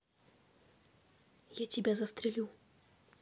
я тебя застрелю